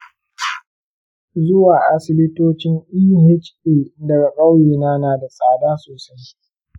zuwa asibitocin eha daga ƙauyena na da tsada sosai.